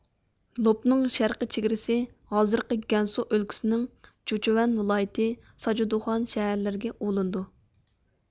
لوپنىڭ شەرقى چېگرىسى ھازىرقى گەنسۇ ئۆلكىسىنىڭ جۇچۋەن ۋىلايىتى ساجۇدوخان شەھەرلىرىگە ئۇلىنىدۇ